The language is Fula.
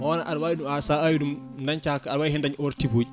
on aɗa wawi ɗum awde sa awi ɗum dañca ko aɗa wawi hen dañje or type uji